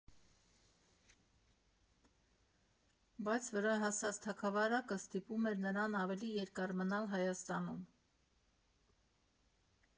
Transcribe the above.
Բայց վրա հասած թագավարակը ստիպում է նրան ավելի երկար մնալ Հայաստանում։